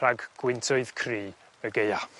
rhag gwyntoedd cry y Gaea.